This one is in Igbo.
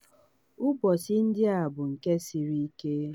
Ụbọchị ndị a bụ nke siri ike.